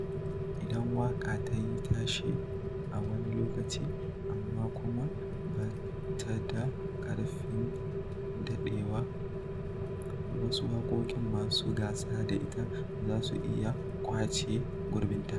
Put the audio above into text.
Idan waƙa ta yi tashe a wani lokaci amma kuma ba ta da ƙarfin daɗewa, wasu waƙoƙin masu gasa da ita za su iya ƙwace gurbinta.